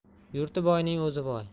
yurti boyning o'zi boy